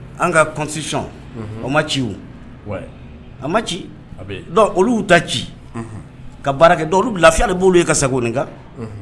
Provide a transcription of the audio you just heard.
An ka kɔsisɔn o ma ci a ma ci olu ta ci ka baara dɔw olu lafiyali b'u ye ka seginkoin kan